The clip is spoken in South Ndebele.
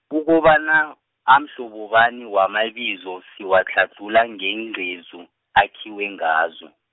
ukobana, amhlobo bani wamabizo, siwatlhadlhula ngeengcezu, akhiwe ngazo.